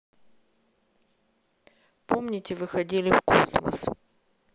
помните выходили в космос